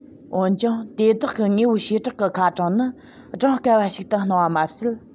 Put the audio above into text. འོན ཀྱང དེ དག གི དངོས པོའི བྱེ བྲག གི ཁ གྲངས ནི བགྲངས དཀའ བ ཞིག ཏུ སྣང བ མ ཟད